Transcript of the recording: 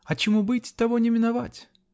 А чему быть, того не миновать.